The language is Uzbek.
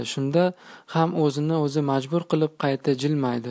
shunda ham o'zini o'zi majbur qilib qayta jilmaydi